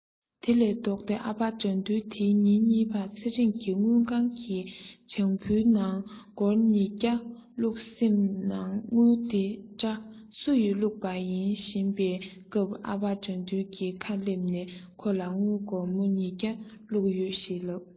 དེ ལས ལྡོག སྟེ ཨ ཕ དགྲ འདུལ དེའི ཉིན གཉིས པར ཚེ རིང གི དངུལ ཁང གི བྱང བུའི ནང སྒོར ཉི བརྒྱ བླུག སེམས ནང དངུལ འདི འདྲ སུ ཡི བླུག པ ཡིན ས བཞིན པའི སྐབས ཨ ཕ དགྲ འདུལ གྱི ཁ སླེབས ནས ཁོ ལ དངུལ སྒོར མོ ཉི བརྒྱ བླུག ཡོད ཞེས ལབ